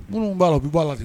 Minnu b'a la u b'u b'a la de